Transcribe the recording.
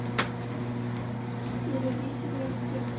независимый эксперт